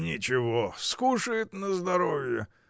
— Ничего, скушает на здоровье!